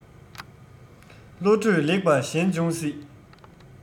བློ གྲོས ལེགས པ གཞན འབྱུང སྲིད